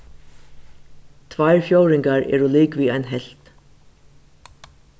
tveir fjórðingar eru ligvið ein helvt